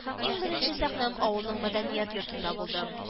Иң беренче сәхнәм авылның мәдәният йортында булды